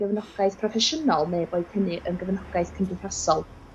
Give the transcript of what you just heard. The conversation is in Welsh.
gefnogaeth proffesiynol neu boed hynny yn gefnogaeth cymdeithasol.